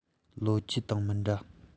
ལིའོ ཅེ དང མི འདྲ